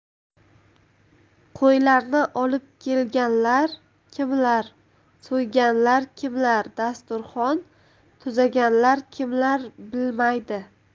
qo'ylarni olib kelganlar kimlar so'yganlar kimlar dasturxon tuzaganlar kimlar bilmaydi